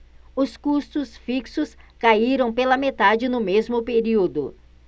os custos fixos caíram pela metade no mesmo período